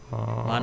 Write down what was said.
ci base su Daara